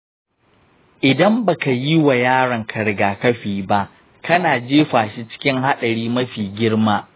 idan ba ka yi wa yaronka rigakafi ba, kana jefa shi cikin haɗari mafi girma.